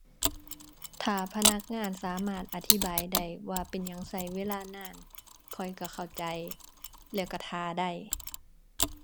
ถ้าพนักงานสามารถอธิบายได้ว่าเป็นหยังใช้เวลานาน ข้อยใช้เข้าใจแล้วใช้ท่าได้